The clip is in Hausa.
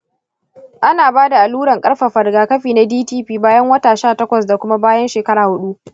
ana ba da alluran ƙarfafa rigakafi na dtp bayan wata sha takwas da kuma bayan shekara huɗu.